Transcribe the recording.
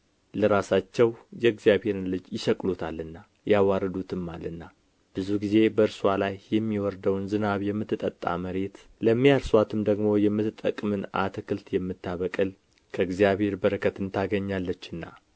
ለራሳቸው የእግዚአብሔርን ልጅ ይሰቅሉታልና ያዋርዱትማልና ብዙ ጊዜ በእርስዋ ላይ የሚወርደውን ዝናብ የምትጠጣ መሬት ለሚያርሱአትም ደግሞ የምትጠቅምን አትክልት የምታበቅል ከእግዚአብሔር በረከትን ታገኛለችና